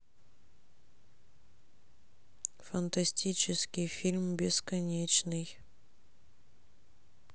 фантастический фильм бесконечный